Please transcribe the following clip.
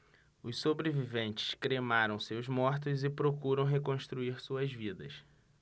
os sobreviventes cremaram seus mortos e procuram reconstruir suas vidas